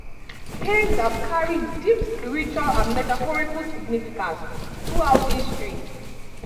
Caves have carried deep spiritual and metaphorical significance throughout history.